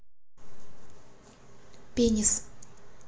пенис